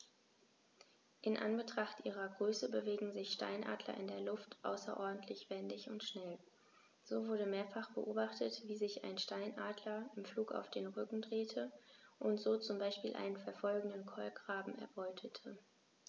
In Anbetracht ihrer Größe bewegen sich Steinadler in der Luft außerordentlich wendig und schnell, so wurde mehrfach beobachtet, wie sich ein Steinadler im Flug auf den Rücken drehte und so zum Beispiel einen verfolgenden Kolkraben erbeutete.